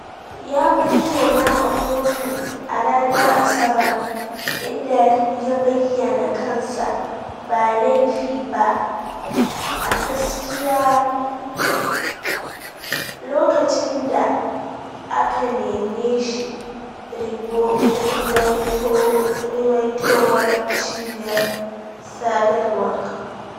Ya bayyana a kotu a ranar Asabar, inda ya bayyana kansa "ba laifi ba, a gaskiya" lokacin da aka neme shi, ruwaitowar cibiyar sadarwa.